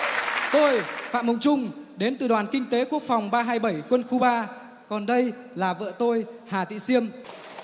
tôi phạm hồng trung đến từ đoàn kinh tế quốc phòng ba hai bảy quân khu ba còn đây là vợ tôi hà thị xiêm